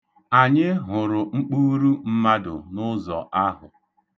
Anyị hụrụ mkpughuru mmadụ n'ụzọ ahụ.